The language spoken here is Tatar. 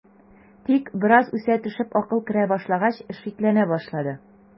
Тик бераз үсә төшеп акыл керә башлагач, шикләнә башлады.